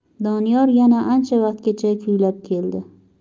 doniyor yana ancha vaqtgacha kuylab keldi